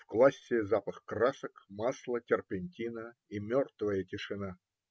В классе запах красок, масла, терпентина и мертвая тишина.